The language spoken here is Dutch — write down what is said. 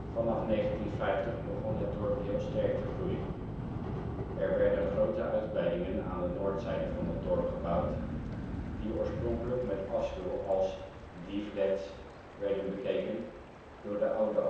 Vanaf 1950 begon het dorp heel sterk te groeien. Er werden grote uitbreidingen aan de noordzijde van het dorp gebouwd, die oorspronkelijk met afschuw als " die flats " werden bekeken door de oude Alphenaren